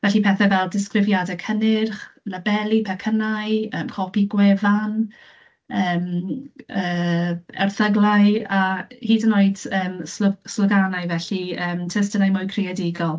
Felly pethe fel disgrifiadau cynnyrch, labelu pecynau, yym copi gwefan, yym yy erthyglau a hyd yn oed yym slo- sloganau felly, yym, testunau mwy creadigol.